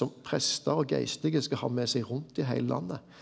som prestar og geistlege skal ha med seg rundt i heile landet.